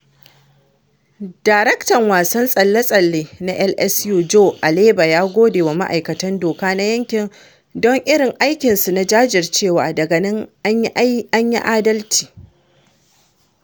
Daraktan wasan tsalle-tsalle na LSU Joe Alleva ya gode wa ma’aikatan doka na yankin don irin aikinsu na “jajircewa da ganin an yi adalci.”